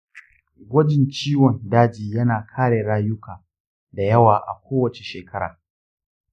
gwajin ciwon daji ya na kare rayuka da yawa a kowace shekara.